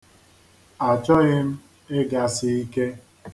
Achọghị m ịgasi ike.